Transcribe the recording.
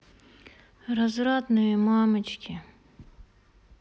развратные мамочки